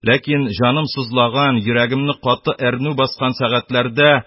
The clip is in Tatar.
Ләкин җаным сызлаган, йөрәгемне каты әрнү баскан сәгатьләрдә